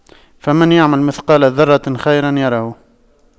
فَمَن يَعمَل مِثقَالَ ذَرَّةٍ خَيرًا يَرَهُ